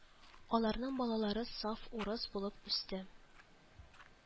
Аларның балалары саф урыс булып үсте